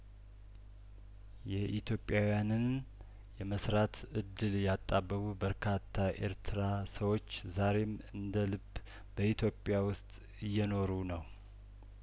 የኢትዮጵያውያንን የመስራት እድል ያጣ በበርካታ ኤርትራ ሰዎች ዛሬም እንደልብ በኢትዮጵያ ውስጥ እየኖሩ ነው